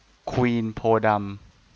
ควีนโพธิ์ดำ